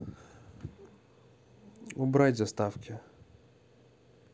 убрать заставки